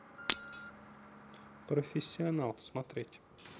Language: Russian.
профессионал смотреть